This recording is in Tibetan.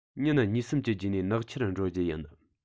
ཉིན གཉིས གསུམ གྱི རྗེས ནས ནག ཆུར འགྲོ རྒྱུ ཡིན